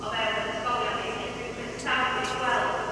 o fewn yn ysgolion ni felly dwi'n croesawu gweld